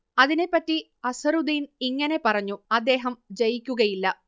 അതിനെപ്പറ്റി അസ്ഹറുദ്ദീൻ ഇങ്ങനെ പറഞ്ഞു അദ്ദേഹം ജയിക്കുകയില്ല